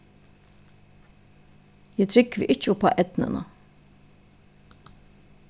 eg trúgvi ikki uppá eydnuna